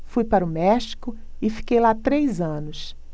fui para o méxico e fiquei lá três anos